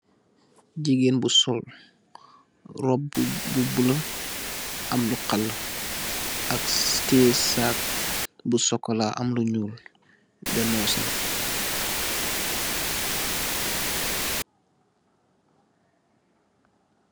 Jigeen bu sol robuh bulo , em bu kallah ak tehh sagg bu chocolah emm lu null di noos nak